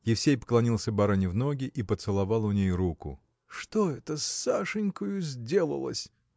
Евсей поклонился барыне в ноги и поцеловал у ней руку. – Что это с Сашенькою сделалось?